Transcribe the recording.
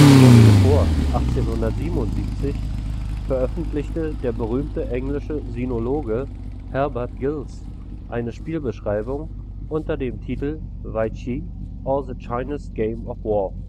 Kurz zuvor, 1877, veröffentlichte der berühmte englische Sinologe Herbert Giles eine Spielbeschreibung unter dem Titel Weichi or the Chinese Game of War